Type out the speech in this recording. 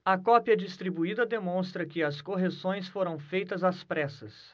a cópia distribuída demonstra que as correções foram feitas às pressas